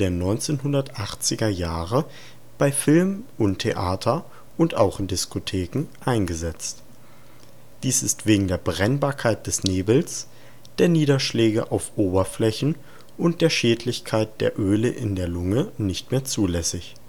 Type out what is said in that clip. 1980er Jahre bei Film und Theater und auch in Diskotheken eingesetzt. Dies ist wegen der Brennbarkeit des Nebels, der Niederschläge auf Oberflächen und der Schädlichkeit der Öle in der Lunge nicht mehr zulässig